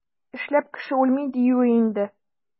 Эшләп кеше үлми, диюе инде.